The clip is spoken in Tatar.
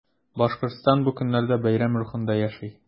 Башкортстан бу көннәрдә бәйрәм рухында яши.